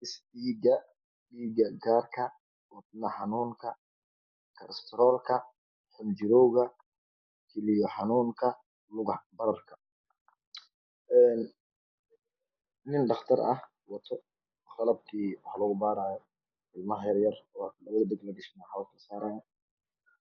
Dhiga dhiga gaarka wadno xanunka karastarolka xinjirowga kalyo xanunka lugo bararka nin dhaqtar wata qalabka lagu baryo ilmaha yar labada dhag la gashto xabadka laga saaro